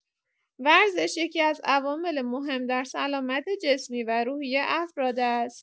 ورزش یکی‌از عوامل مهم در سلامت جسمی و روحی افراد است.